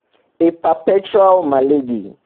A Perpetual Malady